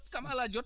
kam ala ajoot